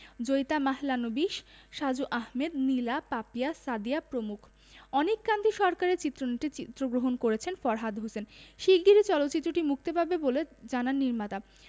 জয়িতা মাহলানোবিশ সাজু আহমেদ নীলা পাপিয়া সাদিয়া প্রমুখ অনিক কান্তি সরকারের চিত্রনাট্যে চিত্রগ্রহণ করেছেন ফরহাদ হোসেন শিগগিরই চলচ্চিত্রটি মুক্তি পাবে বলে জানান নির্মাতা